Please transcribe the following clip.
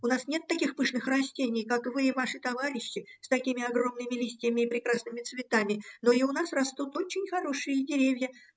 У нас нет таких пышных растений, как вы и ваши товарищи, с такими огромными листьями и прекрасными цветами, но и у нас растут очень хорошие деревья